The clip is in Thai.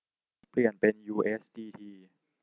เปลี่ยนเป็นยูเอสดีที